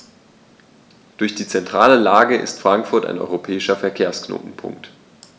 Durch die zentrale Lage ist Frankfurt ein europäischer Verkehrsknotenpunkt.